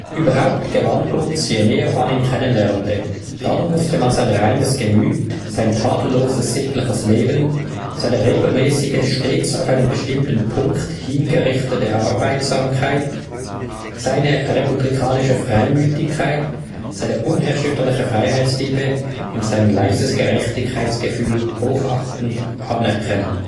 Überhaupt gewann Glutz, je näher man ihn kennen lernte; dann musste man sein reines Gemüth, sein tadelloses sittliches Leben, seine regelmässige, stets auf einen bestimmten Punkt hingerichtete Arbeitsamkeit, seine republikanische Freimüthigkeit, seine unerschütterliche Freiheitsliebe und sein leises Gerechtigkeitsgefühl hochachtend anerkennen